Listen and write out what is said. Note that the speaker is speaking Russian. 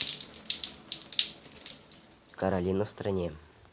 каролина в стране